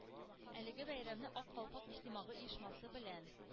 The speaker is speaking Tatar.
Әлеге бәйрәмне “Ак калфак” иҗтимагый оешмасы белән